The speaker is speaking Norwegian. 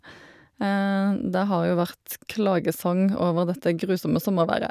Det har jo vært klagesang over dette grusomme sommerværet.